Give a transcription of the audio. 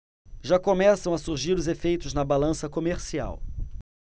já começam a surgir os efeitos na balança comercial